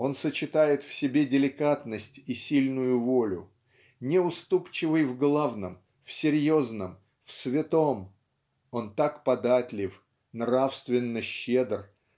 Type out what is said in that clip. Он сочетает в себе деликатность и сильную волю неуступчивый в главном в серьезном в святом он так податлив нравственно щедр